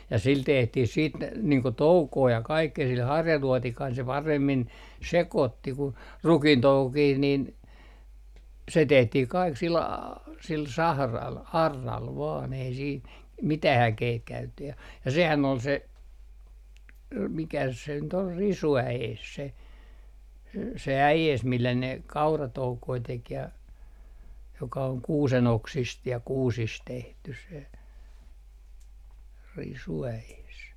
ja sillä tehtiin sitten niin kuin toukoa ja kaikkea sillä harjaluotikaisella se paremmin sekoitti kuin rukiintoukokin niin se tehtiin kaikki sillä - sillä sahralla auralla vain ei siinä mitään äkeitä käytetty ja ja sehän oli se mikäs se nyt oli risuäes se se äes millä ne kauratoukoja teki ja joka on kuusen oksista ja kuusista tehty se risuäes